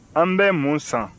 an bɛ mun san